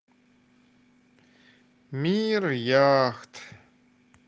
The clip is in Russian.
мир яхт